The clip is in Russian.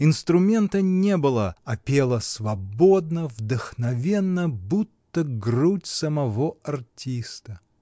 инструмента не было, а пела свободно, вдохновенно, будто грудь самого артиста.